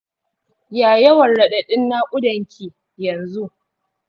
ya yawan raɗaɗin naƙudanki yanzu?